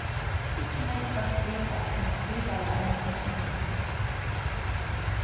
ikki nógv fólk vita at hann skrivaði eina symfoni